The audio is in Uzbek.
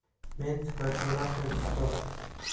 men fitnachi emasmen ustod